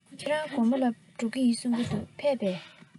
ཁྱེད རང གོར མོ ལ འགྲོ རྒྱུ ཡིན གསུང པས ཕེབས སོང ངམ